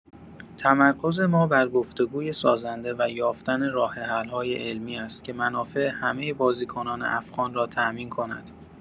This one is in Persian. تمرکز ما بر گفت‌وگوی سازنده و یافتن راه‌حل‌های عملی است که منافع همه بازیکنان افغان را تامین کند.